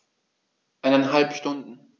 Eineinhalb Stunden